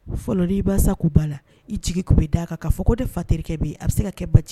Fɔlɔli i basa k b baa la i jigin' bɛ d' a kan k'a fɔ ko de fatirikɛ bɛ a bɛ se ka kɛ ba cɛ